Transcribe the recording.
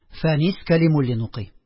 Фәнис Кәлимуллин укый